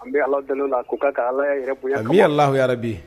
An bɛ ala deli la k'u ka ka ala yɛrɛ bonya yɛrɛ la yɛrɛ bi